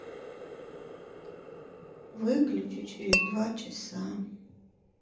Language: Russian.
выключи через два часа